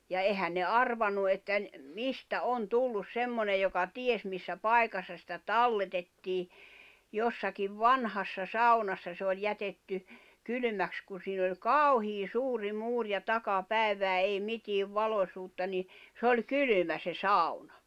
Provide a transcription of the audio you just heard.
ja eihän ne arvannut että - mistä on tullut semmoinen joka ties missä paikassa sitä talletettiin jossakin vanhassa saunassa se oli jätetty kylmäksi kun siinä oli kauhea suuri muuri ja takapäivää ei mitään valoisuutta niin se oli kylmä se sauna